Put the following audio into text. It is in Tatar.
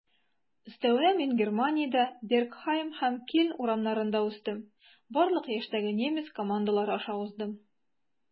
Өстәвенә, мин Германиядә, Бергхайм һәм Кельн урамнарында үстем, барлык яшьтәге немец командалары аша уздым.